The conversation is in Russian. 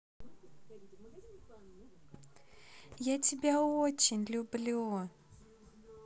я тебя очень люблю